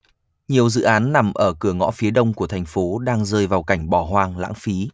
nhiều dự án nằm ở cửa ngõ phía đông của thành phố đang rơi vào cảnh bỏ hoang lãng phí